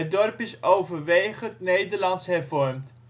dorp is overwegend Nederlands-hervormd